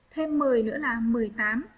thêm nữa là